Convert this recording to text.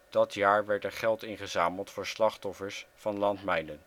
Dat jaar werd er geld ingezameld voor slachtoffers van landmijnen